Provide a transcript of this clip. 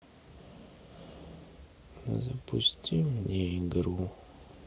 запусти мне игру